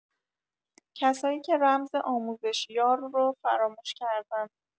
کسایی که رمز آموزشیار رو فراموش کردن